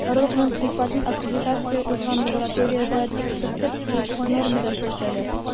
Орлыкның сыйфатын аккредитация узган лабораториядә тикшертеп, тиешле нормада чәчәләр.